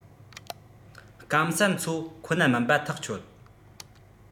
སྐམ སར འཚོ ཁོ ན མིན པ ཐག ཆོད